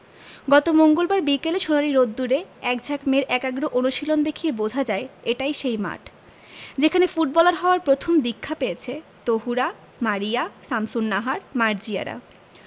গত মঙ্গলবার বিকেলে সোনালি রোদ্দুরে একঝাঁক মেয়ের একাগ্র অনুশীলন দেখেই বোঝা যায় এটাই সেই মাঠ যেখানে ফুটবলার হওয়ার প্রথম দীক্ষা পেয়েছে তহুরা মারিয়া শামসুন্নাহার মার্জিয়ারা